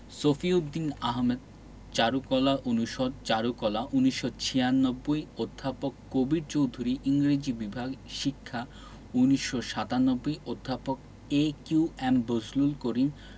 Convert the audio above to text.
শফিউদ্দীন আহমেদ চারুকলা অনুষদ চারুকলা ১৯৯৬ অধ্যাপক কবীর চৌধুরী ইংরেজি বিভাগ শিক্ষা ১৯৯৭ অধ্যাপক A Q M Bazlul Karim